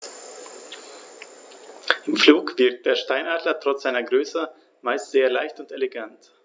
Im Flug wirkt der Steinadler trotz seiner Größe meist sehr leicht und elegant.